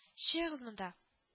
Чыгыгыз монда